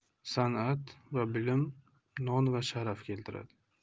san'at va bilim non va sharaf keltiradi